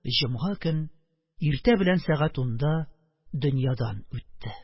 Җомга көн, иртә белән сәгать унда дөньядан үтте.